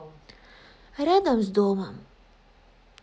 рядом с домом